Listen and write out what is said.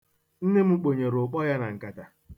Nne m kponyere ụkpọ ya na nkata.